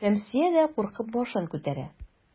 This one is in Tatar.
Шәмсия дә куркып башын күтәрә.